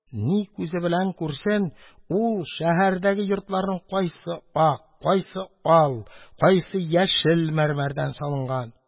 Ни күзе белән күрсен: ул шәһәрдәге йортларның кайсы ак, кайсы ал, кайсы яшел мәрмәрдән салынган.